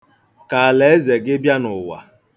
Ka alaeze gị bịa n'ụwa.